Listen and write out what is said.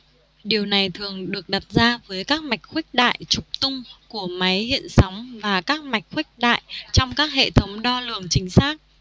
điều này thường được đặt ra với các mạch khuếch đại trục tung của máy hiện sóng và các mạch khuếch đại trong các hệ thống đo lường chính xác